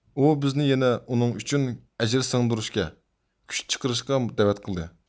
ئۇ بىزنى يەنە ئۇنىڭ ئۈچۈن ئەجىر سىڭدۈرۈشكە كۈچ چىقىرىشقا دەۋەت قىلدى